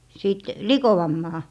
sitten likoamaan